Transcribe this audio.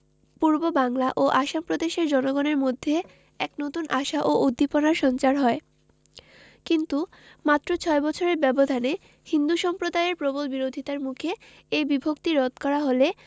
পূর্ববাংলা ও আসাম প্রদেশের জনগণের মধ্যে এক নতুন আশা ও উদ্দীপনার সঞ্চার হয় কিন্তু মাত্র ছয় বছরের ব্যবধানে হিন্দু সম্প্রদায়ের প্রবল বিরোধিতার মুখে এ বিভক্তি রদ করা হলে